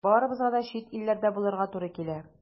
Барыбызга да чит илләрдә булырга туры килә.